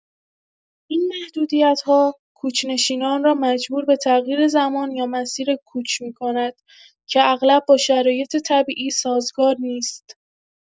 این محدودیت‌ها، کوچ‌نشینان را مجبور به تغییر زمان یا مسیر کوچ می‌کند که اغلب با شرایط طبیعی سازگار نیست.